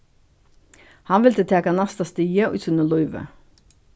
hann vildi taka næsta stigið í sínum lívi